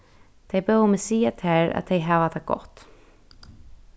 tey bóðu meg siga tær at tey hava tað gott